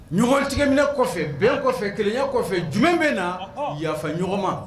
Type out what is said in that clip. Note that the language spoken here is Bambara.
Ɲtigɛminɛ kɔfɛ bɛn kɔfɛ kelenya kɔfɛ jumɛn bɛ na yafafa ɲɔgɔnma